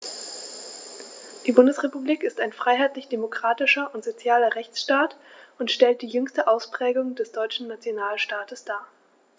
Die Bundesrepublik ist ein freiheitlich-demokratischer und sozialer Rechtsstaat und stellt die jüngste Ausprägung des deutschen Nationalstaates dar.